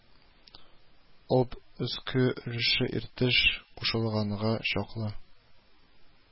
Об өске өлеше Иртеш кушылганга чаклы